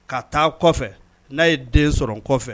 Ka taa kɔfɛ n'a ye den sɔrɔ kɔfɛ